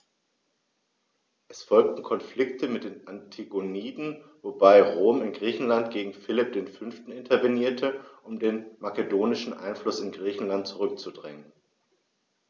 Es folgten Konflikte mit den Antigoniden, wobei Rom in Griechenland gegen Philipp V. intervenierte, um den makedonischen Einfluss in Griechenland zurückzudrängen.